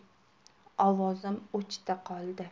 ovozim o'chdi qoldi